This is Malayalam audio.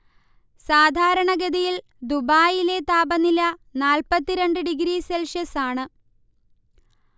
സാധാരണഗതിയിൽ ദുബായിലെ താപനില നാൽപ്പത്തിരണ്ട് ഡിഗ്രി സെൽഷ്യസാണ്